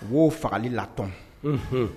U b'o fagali latɔn unhun